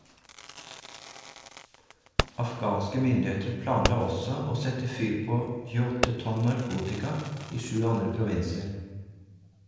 Afghanske myndigheter planla også å sette fyr på 28 tonn narkotika i sju andre provinser.